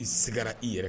I seginna i yɛrɛ